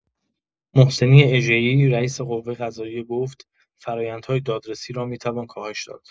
محسنی اژه‌ای، رئیس قوه‌قضائیه گفت: فرآیندهای دادرسی را می‌توان کاهش داد.